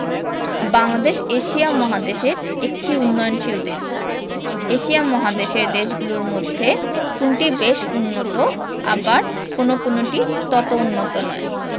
Bangladesh Asia মহাদেশের একটি উন্নয়নশীল দেশ এশিয়া মহাদেশের দেশগুলোর মধ্যে কোনটি বেশ উন্নত আবার কোনো কোনোটি তত উন্নত নয়